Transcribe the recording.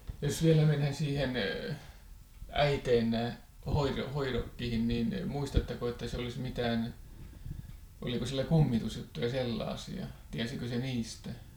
jos vielä mennään siihen äitinne - hoidokkiin niin muistatteko että se olisi mitään oliko sillä kummitusjuttuja sellaisia tiesikö se niistä